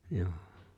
joo